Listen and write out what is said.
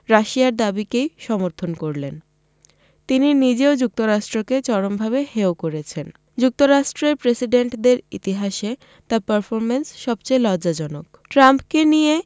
রাশিয়ার দাবিকেই সমর্থন করলেন তিনি নিজে ও যুক্তরাষ্ট্রকে চরমভাবে হেয় করেছেন যুক্তরাষ্ট্রের প্রেসিডেন্টদের ইতিহাসে তাঁর পারফরমেন্স সবচেয়ে লজ্জাজনক ট্রাম্পকে নিয়ে